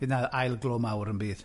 Bydd na ail glo mawr yn bydd?